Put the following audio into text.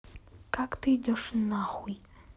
как ты идешь нахуй